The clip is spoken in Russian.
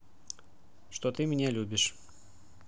что ты меня любишь